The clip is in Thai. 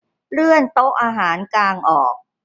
เลื่อนโต๊ะอาหารกางออก